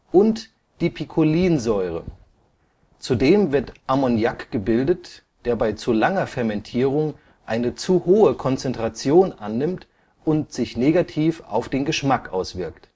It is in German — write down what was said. und Dipicolinsäure, zudem wird Ammoniak gebildet, der bei zu langer Fermentierung eine zu hohe Konzentration annimmt und sich negativ auf den Geschmack auswirkt